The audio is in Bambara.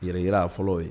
Yɛrɛyira a fɔlɔ o ye